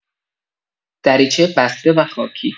دریچه بسته و خاکی